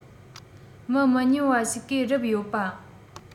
མི མི ཉུང བ ཞིག གིས རུབ ཡོད པ